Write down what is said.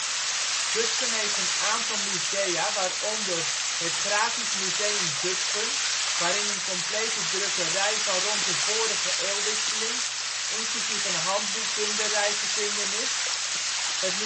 Zutphen heeft een aantal musea, waaronder: het Grafisch Museum Zutphen, waarin een complete drukkerij van rond de vorige eeuwwisseling inclusief een handboekbinderij te vinden is. het